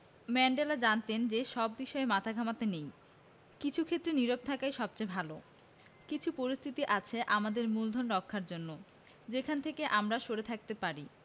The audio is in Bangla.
ম্যান্ডেলা জানতেন যে সব বিষয়ে মাথা ঘামাতে নেই কিছু ক্ষেত্রে নীরব থাকাই সবচেয়ে ভালো কিছু পরিস্থিতি আছে আমাদের মূলধন রক্ষার জন্য যেখান থেকে আমরা সরে থাকতে পারি